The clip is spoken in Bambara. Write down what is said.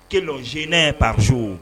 Kelen seninɛ pa so